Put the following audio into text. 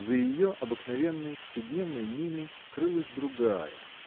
За ее обыкновенной, вседневной миной крылась другая.